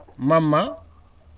Mamma